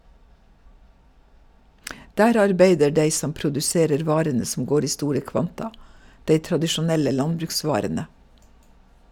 Der arbeider dei som produserer varene som går i store kvanta, dei tradisjonelle landbruksvarene.